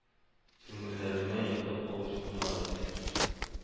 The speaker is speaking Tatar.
Куңелләренә якын алучы булмады